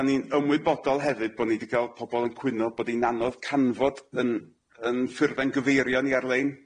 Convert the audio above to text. Dan ni'n ymwybodol hefyd bo' ni di ga'l pobol yn cwyno bod i'n anodd canfod yn yn ffyrddangyfeirion i ar-lein.